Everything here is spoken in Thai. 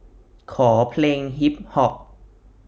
ขอเพลงฮิปฮอป